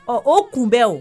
Ɔ o kun bɛ o